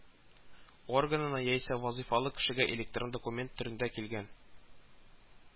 Органына яисә вазыйфалы кешегә электрон документ төрендә килгән